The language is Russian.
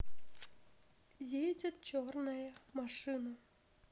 едет черная машина